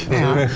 ja.